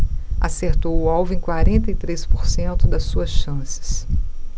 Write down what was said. acertou o alvo em quarenta e três por cento das suas chances